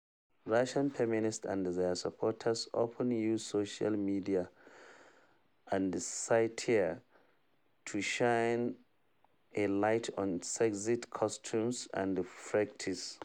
Russian feminists and their supporters often use social media and satire to shine a light on sexist customs and practices.